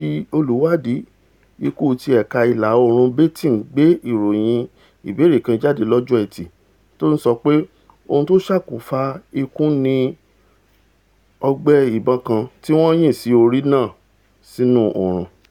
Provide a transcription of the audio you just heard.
Ọ́fíisì Olùwáàdí Ikú ti Ẹ̀ka Ìla Oòrùn Baton gbé ìròyìn ìbẹ̀rẹ̀ kan jadé lọ́jọ́ Ẹtì, tó ńsọ pé ohun tó ṣokùnfa ikù ní ọgbẹ́ ìbọn kan tí wọn yìn sí orí náà sínú ọrùn.